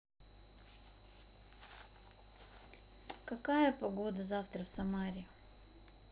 какая погода завтра в самаре